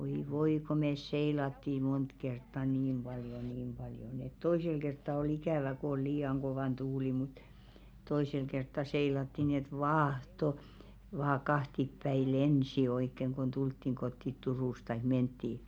oi voi kun me seilattiin monta kertaa niin paljon niin paljon niin että toisella kertaa oli ikävä kun oli liian kova tuuli mutta toisella kertaa seilattiin niin että vaahto vain kahtiapäin lensi oikein kun tultiin kotiin Turusta tai mentiin